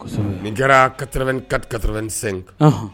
Nin diyara kata katarɛin sen kan